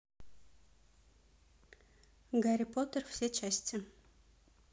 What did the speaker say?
гарри поттер все части